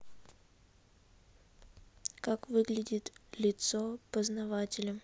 как выглядит лицо познавателя